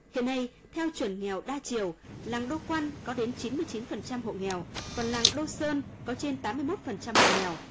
hiện nay theo chuẩn nghèo đa chiều làng đô quăn có đến chín mươi chín phần trăm hộ nghèo còn làng đô sơn có trên tám mươi mốt phần trăm hộ nghèo